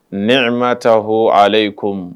Ne an ma ta h ale' ko mun